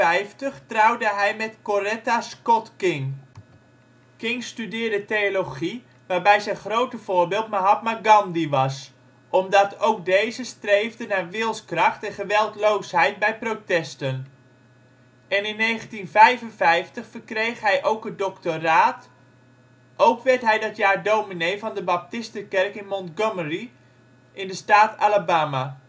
1953 trouwde hij met Coretta Scott King. King studeerde theologie (waarbij zijn grote voorbeeld Mahatma Gandhi was, omdat ook deze streefde naar wilskracht en geweldloosheid bij protesten) en in 1955 verkreeg hij ook het doctoraat (Ph.D.). Ook werd hij dat jaar dominee van de baptistenkerk in Montgomery in de staat Alabama